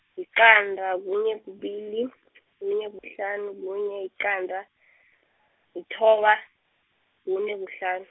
yiqanda, kunye kubili , kunye kuhlanu kunye yiqanda , lithoba, kune kuhlanu.